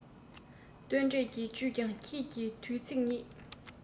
སྟོན འབྲས ཀྱི བཅུད ཀྱང ཁྱེད ཀྱི དུས ཚིགས ཉིད